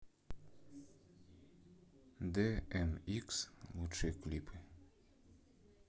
дэ эм икс лучшие клипы